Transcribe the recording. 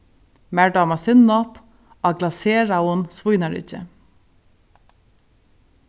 mær dámar sinnop á glaseraðum svínaryggi